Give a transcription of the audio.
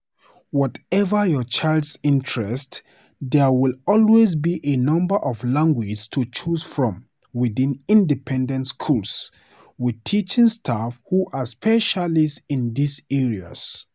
Whatever your child's interest, there will always be a number of languages to choose from within independent schools, with teaching staff who are specialists in this area.